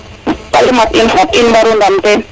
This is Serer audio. tige mat in fop mbaru ndam ten